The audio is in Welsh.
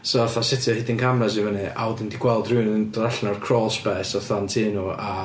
So fatha setio hidden cameras i fyny a wedyn 'di gweld rywun yn dod allan o'r crawl space fatha yn tŷ nhw a...